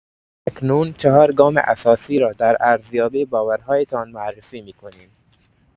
اکنون چهار گام اساسی را در ارزیابی باورهایتان معرفی می‌کنیم.